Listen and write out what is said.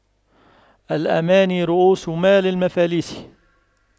الأماني رءوس مال المفاليس